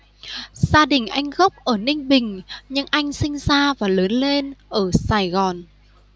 gia đình anh gốc ở ninh bình nhưng anh sinh ra và lớn lên ở sài gòn